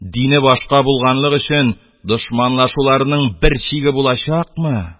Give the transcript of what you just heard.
Дине башка булганлык өчен дошманлашуларның бер чиге булачакмы?